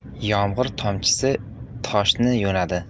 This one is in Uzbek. yomg'ir tomchisi toshni yo'nadi